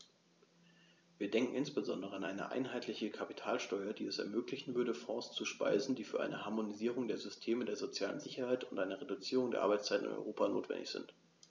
Wir denken insbesondere an eine einheitliche Kapitalsteuer, die es ermöglichen würde, Fonds zu speisen, die für eine Harmonisierung der Systeme der sozialen Sicherheit und eine Reduzierung der Arbeitszeit in Europa notwendig sind.